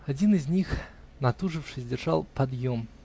Один из них, натужившись, держал подъем